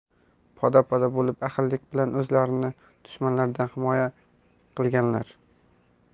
poda poda bo'lib ahillik bilan o'zlarini dushmanlaridan himoya qilganlar